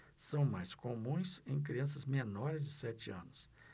são mais comuns em crianças menores de sete anos